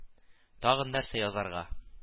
Тагын нәрсә язарга